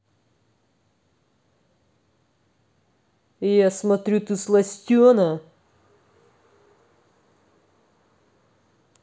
я смотрю ты сластена